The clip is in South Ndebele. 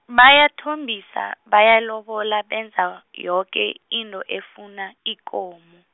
bayathombisa, bayalobola, benza yoke, into efuna, ikomo.